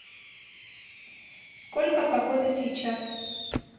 сколько погода сейчас